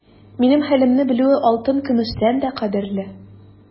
Минем хәлемне белүе алтын-көмештән дә кадерле.